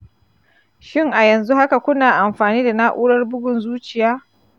shin, a yanzu haka kuna amfani da na'urar bugun zuciya?